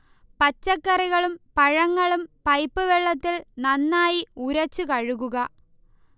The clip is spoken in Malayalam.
പച്ചക്കറികളും പഴങ്ങളും പൈപ്പ് വെള്ളത്തിൽ നന്നായി ഉരച്ച് കഴുകുക